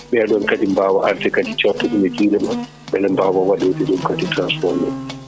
ɓeɗon kadi mbawa arde kadi cotta ɗum e juuɗema beele mbawa waɗoyde ɗum kadi transformé